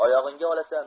oyog'ingga olasan